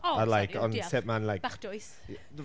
Ar like... O, sori, ond ie... Ond sut ma’n like...Bach dwys.